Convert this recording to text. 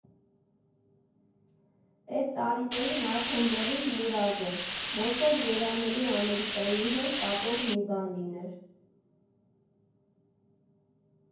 Էդ տարիներին արդեն լրիվ մուրազ էր, ոնց որ երանելի Ամերիկայի հետ կապող մի բան լիներ։